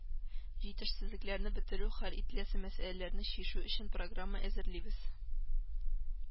Җитешсезлекләрне бетерү, хәл ителәсе мәсьәләләрне чишү өчен программа әзерлибез